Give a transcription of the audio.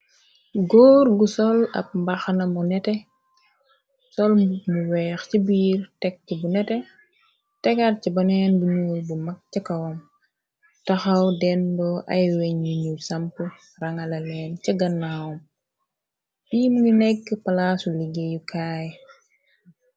Góor gu sol ab mbaxana mu neteh sol mub mu weex ci biir tek ci bu neteh tegaat ci baneen bu nuul bu mag se kawam taxaw dendoo ay weah yu ñuy sampe rangalaleen ca gannaawm fe mu ngi nekk palaasu liggéeyu kaay.